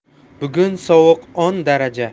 bugun sovuq o'n darajada